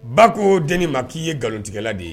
Ba ko denibain ma k'i ye nkalontigɛla de ye